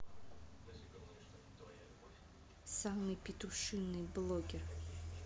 самый петушиный блогер